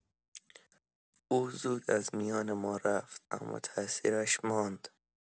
او زود از میان ما رفت، اما تأثیرش ماند.